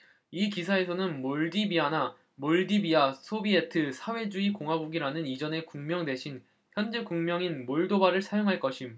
이 기사에서는 몰다비아나 몰다비아 소비에트 사회주의 공화국이라는 이전의 국명 대신 현재 국명인 몰도바를 사용할 것임